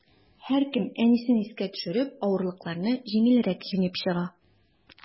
Һәркем, әнисен искә төшереп, авырлыкларны җиңелрәк җиңеп чыга.